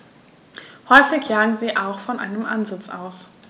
Häufig jagen sie auch von einem Ansitz aus.